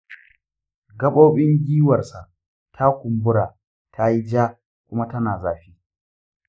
gaɓoɓin gwiwarsa ta kumbura, ta yi ja, kuma tana zafi.